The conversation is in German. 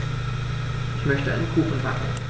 Ich möchte einen Kuchen backen.